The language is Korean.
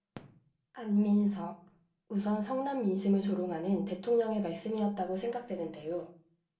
안민석 우선 성난 민심을 조롱하는 대통령의 말씀이었다고 생각 되는데요